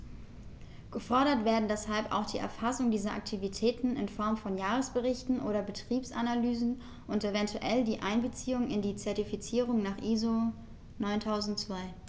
Gefordert werden deshalb auch die Erfassung dieser Aktivitäten in Form von Jahresberichten oder Betriebsanalysen und eventuell die Einbeziehung in die Zertifizierung nach ISO 9002.